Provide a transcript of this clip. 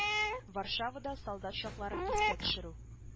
Варшавада солдат чакларын искә төшерү